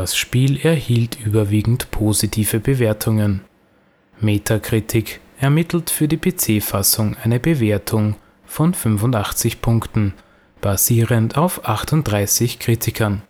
Spiel erhielt überwiegend positive Bewertungen. Metacritic ermittelte für die PC-Fassung eine Bewertung von 85 Punkten, basierend auf 38 Kritiken. Beim